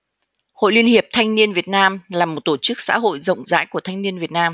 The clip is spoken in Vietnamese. hội liên hiệp thanh niên việt nam là một tổ chức xã hội rộng rãi của thanh niên việt nam